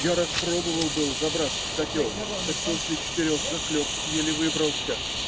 Я раз попробовал было забраться в котел, так после четырех заклепок еле выбрался.